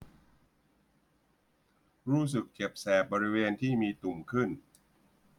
รู้สึกเจ็บแสบบริเวณที่มีตุ่มขึ้น